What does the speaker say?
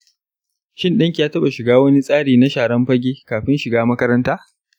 shin danki ya taba shiga wani tsari na sharan fage kafin shiga makaranta?